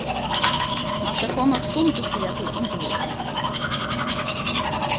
mann skal koma stundisliga til undirvísing